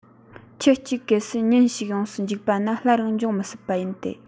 ཁྱུ གཅིག གལ སྲིད ཉིན ཞིག ཡོངས སུ འཇིག པ ན སླར ཡང འབྱུང མི སྲིད པ ཡིན ཏེ